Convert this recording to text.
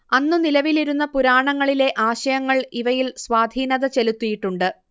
അന്നു നിലവിലിരുന്ന പുരാണങ്ങളിലെ ആശയങ്ങൾ ഇവയിൽ സ്വാധീനത ചെലുത്തിയിട്ടുണ്ട്